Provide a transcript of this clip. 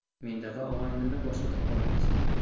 mendaqa og'aynini boshqa topa olmaysan